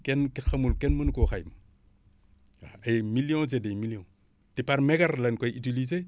kenn xamul kenn mënu koo xayma waaw ay millions et des millions te par mégarde la ñu koy utilisé